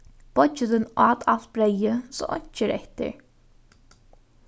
beiggi tín át alt breyðið so einki er eftir